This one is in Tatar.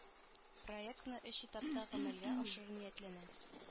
Проектны өч этапта гамәлгә ашыру ниятләнә